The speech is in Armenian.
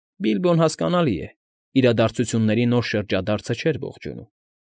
Բիլբոն հասկանալի է, իրադարձությունների նոր շրջադարձը չէր ողջունում։